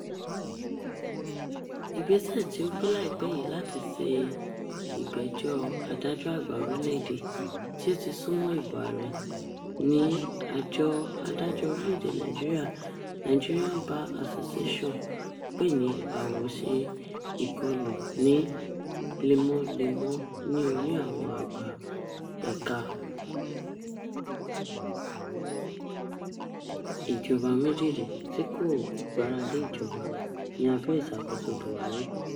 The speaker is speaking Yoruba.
Ìgbésẹ̀ tí ó gbé láì pẹ́ yìí láti ṣe ìgbẹ́jọ́ Adájọ́ Àgbà orílẹ̀ èdè — tí ó ti sún mọ́ ìbò ààrẹ — ni Àjọ Adájọ́ orílẹ̀ èdè Nàìjíríà Nigerian Bar Association pè ní "àwòṣe ìkọlù ní lemọ́lemọ́ ní orí àwọn àgbà ẹ̀ka ìjọba méjèèjì tí-kò-gbáralé ìjọba" ní abẹ́ ìṣàkóso Buhari.